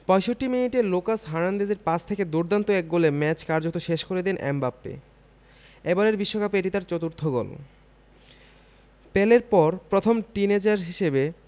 ৬৫ মিনিটে লুকাস হার্নান্দেজের পাস থেকে দুর্দান্ত এক গোলে ম্যাচ কার্যত শেষ করে দেন এমবাপ্পে এবারের বিশ্বকাপে এটি তার চতুর্থ গোল পেলের পর প্রথম টিনএজার হিসেবে